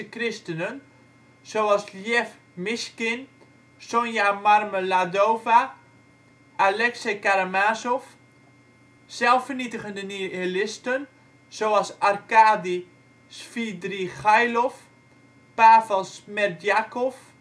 christenen (zoals Ljev Mysjkin, Sonja Marmeladova, Aleksei Karamazov), zelfvernietigende nihilisten (zoals Arkadi Svidrigailov, Pavel Smerdjakov